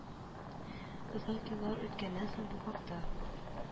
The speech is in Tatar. Озак еллар үткәннән соң бу хакта